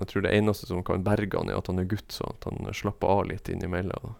Jeg tror det eneste som kan berge han er at han er gutt sånn at han slapper av litt innimellom, da.